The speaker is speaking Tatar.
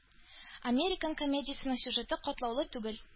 «американ» комедиясенең сюжеты катлаулы түгел.